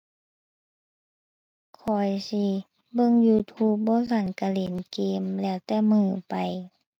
ข้อยสิเบิ่ง YouTube บ่ซั้นก็เล่นเกม แล้วแต่มื้อไป